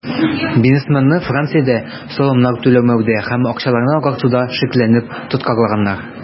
Бизнесменны Франциядә салымнар түләмәүдә һәм акчаларны "агартуда" шикләнеп тоткарлаганнар.